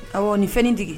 Ayiwa ni fɛntigi